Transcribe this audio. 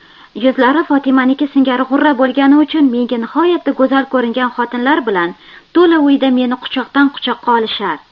yuzlari fotimaniki singari g'urra bo'lgani uchun menga nihoyatda go'zal ko'ringan xotinlar bilan to'la uyda meni quchoqdan quchoqqa olishar